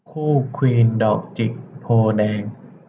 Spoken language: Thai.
คู่ควีนดอกจิกโพธิ์แดง